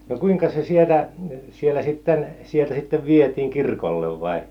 no kuinka se siellä siellä sitten sieltä sitten vietiin kirkolle vai